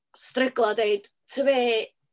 stryglo a deud, "tibod be..."